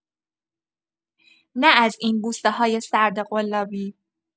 نه از این بوسه‌های سرد قلابی.